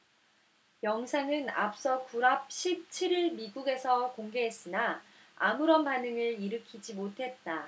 영상은 앞서 구랍 십 칠 일 미국에서 공개했으나 아무런 반응을 일으키지 못했다